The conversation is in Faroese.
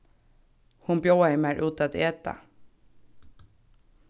hon bjóðaði mær út at eta